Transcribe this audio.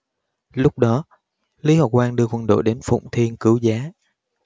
lúc đó lý hoài quang đưa quân đội đến phụng thiên cứu giá